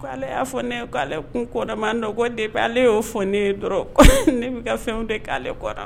K ko aleale y'a fɔ ne k'ale kun kɔndama dɔn ale y'o fɔ ne dɔrɔn ne bɛ ka fɛnw de k'ale kɔrɔ